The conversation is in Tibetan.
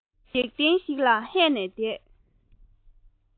འཇིག རྟེན ཞིག ལ ཧད ནས བསྡད